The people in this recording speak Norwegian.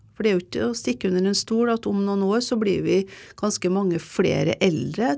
for det er jo ikke til å stikke under en stol at om noen år så blir vi ganske mange flere eldre.